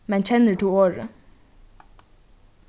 men kennir tú orðið